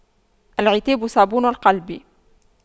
العتاب صابون القلب